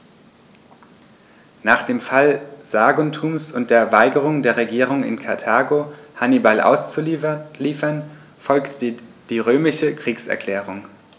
Nach dem Fall Saguntums und der Weigerung der Regierung in Karthago, Hannibal auszuliefern, folgte die römische Kriegserklärung.